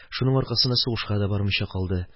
Шуның аркасында сугышка да бармыйча калды